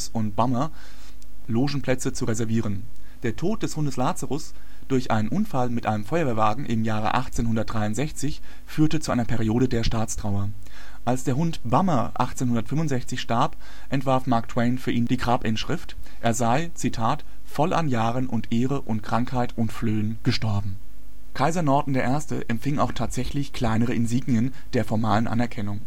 und Bummer Logenplätze zu reservieren. Der Tod des Hundes Lazarus durch einen Unfall mit einem Feuerwehrwagen im Jahre 1863 führte zu einer Periode der Staatstrauer. Als der Hund Bummer 1865 starb, entwarf Mark Twain für ihn die Grabinschrift, er sei „ voll an Jahren und Ehre und Krankheit und Flöhen “gestorben. Kaiser Norton I. empfing auch tatsächlich kleinere Insignien der formalen Anerkennung